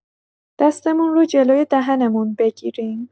دستمون رو جلوی دهنمون بگیریم.